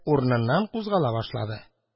Урыныннан кузгала башлады.